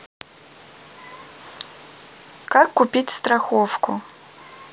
как купить страховку